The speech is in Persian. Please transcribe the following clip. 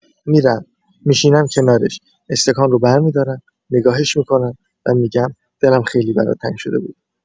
می‌رم، می‌شینم کنارش، استکان رو برمی‌دارم، نگاهش می‌کنم و می‌گم: دلم خیلی برات تنگ شده بود.